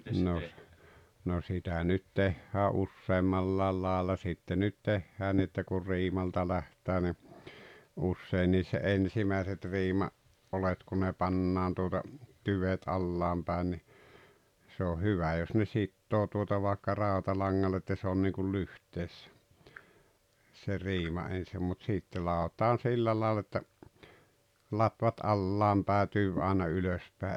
no no sitä nyt tehdään useammalla lailla sitten nyt tehdään niin että kun riimalta lähdetään niin usein se ensimmäiset - riimaoljet kun ne pannaan tuota tyvet alhaalle päin niin se on hyvä jos ne sitoo tuota vaikka rautalangalla että se on niin kuin lyhteessä se riima ensin mutta sitten ladotaan sillä lailla että latvat alhaalle päin tyvi aina ylös päin